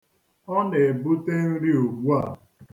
Ọ na-ebute nri ugbua.